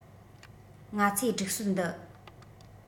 ང ཚོའི སྒྲིག སྲོལ འདི